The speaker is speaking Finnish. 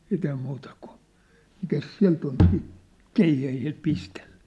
sitten ei muuta kuin mikäs sieltä oli siitä keihäillä pistellä